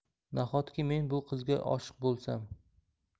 nahotki men bu qizga oshiq bo'lsam